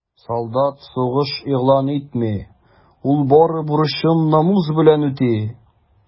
Солдат сугыш игълан итми, ул бары бурычын намус белән үти.